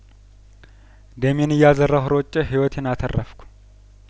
ደሜን እያዘራሁ ሮጬ ህይወቴን አተረፍኩ